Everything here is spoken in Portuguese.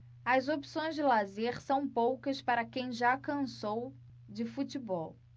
as opções de lazer são poucas para quem já cansou de futebol